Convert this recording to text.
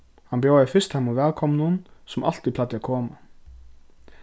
hann bjóðaði fyrst teimum vælkomnum sum altíð plagdu at koma